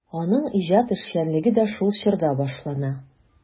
Аның иҗат эшчәнлеге дә шул чорда башлана.